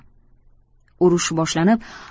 urush boshlanib